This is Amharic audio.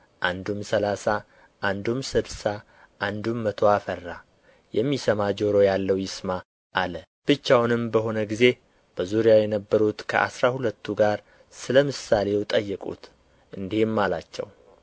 አንዱም ሠላሳ አንዱም ስድሳ አንዱም መቶ አፈራ የሚሰማ ጆሮ ያለው ይስማ አለ ብቻውንም በሆነ ጊዜ በዙሪያው የነበሩት ከአሥራ ሁለቱ ጋር ስለ ምሳሌው ጠየቁት እንዲህም አላቸው